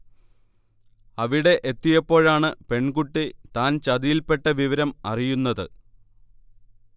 അവിടെ എത്തിയപ്പോഴാണ് പെൺകുട്ടി താൻ ചതിയിൽപ്പെട്ട വിവരം അറിയുന്നത്